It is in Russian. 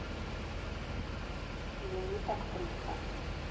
лимит актриса